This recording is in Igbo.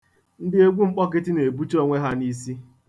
Ndị egwu Mkpọkịtị na-ebucha onwe ha n'isi.